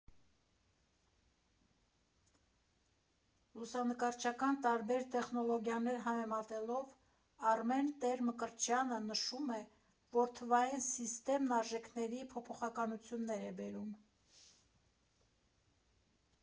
Լուսանկարչական տարբեր տեխնոլոգիաներ համեմատելով, Արմեն Տեր֊Մկրտչյանը նշում է, որ թվային սիստեմն արժեքների փոփոխություններ է բերում։